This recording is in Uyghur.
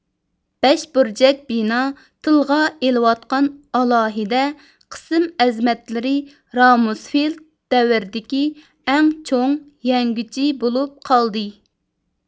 بەشبۇرجەك بىنا تىلغا ئېلىۋاتقان ئالاھىدە قىسىم ئەزىمەتلىرى رامۇسفېلد دەۋرىدىكى ئەڭ چوڭ يەڭگۈچى بولۇپ قالدى